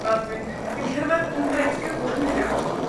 Wel, dwi'n, dwi'n cerddad yn reit gyflym heddiw.